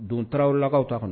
Don tarawelakaw ta kɔnɔ